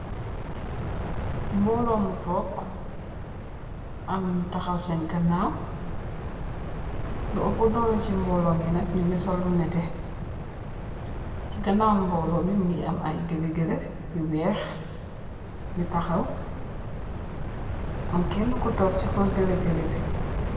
Mboolo mu tóóg am ñu taxaw sèèn ganaw lu opuh dooli ci mboolo mi nak ñugi sol lu netteh. Ci ganaw mboolo mi mugii am ay gelegele yu wèèx yu taxaw am Kenna ku tóóg ci kaw gelegele bi.